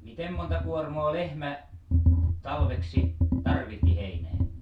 miten monta kuormaa lehmä talveksi tarvitsi heinää